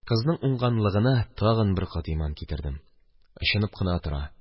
Кызның уңганлыгына тагын бер кат иман китердем – очынып кына тора.